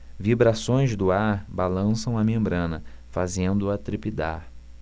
vibrações do ar balançam a membrana fazendo-a trepidar